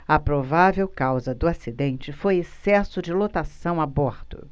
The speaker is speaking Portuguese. a provável causa do acidente foi excesso de lotação a bordo